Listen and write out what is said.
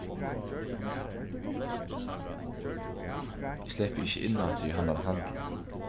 eg sleppi ikki inn aftur í handan handilin